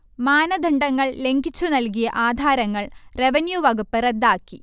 മാനദണ്ഡങ്ങൾ ലംഘിച്ചു നൽകിയ ആധാരങ്ങൾ റവന്യൂ വകുപ്പ് റദ്ദാക്കി